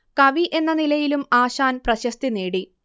കവി എന്ന നിലയിലും ആശാൻ പ്രശസ്തി നേടി